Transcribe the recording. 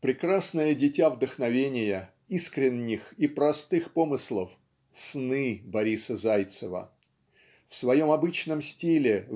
Прекрасное дитя вдохновения, искренних и простых помыслов "Сны" Бориса Зайцева. В своем обычном стиле